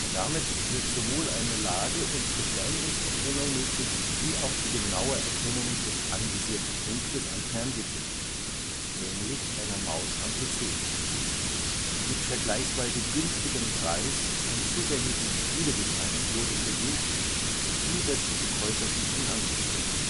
Damit wird sowohl eine Lage - und Beschleunigungserkennung möglich wie auch die genaue Erkennung des anvisierten Punktes am Fernsehbild, ähnlich einer Maus am PC. Mit vergleichsweise günstigem Preis und zugänglichem Spieledesign wurde versucht, zusätzliche Käuferschichten anzusprechen